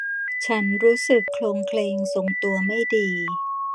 ฉันรู้สึกโคลงเคลงทรงตัวไม่ดี